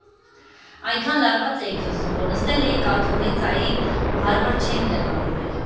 Այնքան լարված էինք լսում, որ նստել էինք աթոռի ծայրին ու հարմար չէինք տեղավորվել։